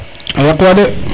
a yaq wa de